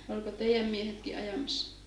oliko teidän miehetkin ajamassa